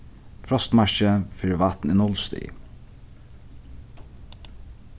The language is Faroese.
frostmarkið fyri vatn er null stig